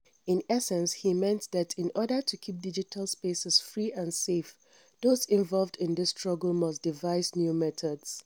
In essence, he meant that in order to keep digital spaces free and safe, those involved in this struggle must devise new methods.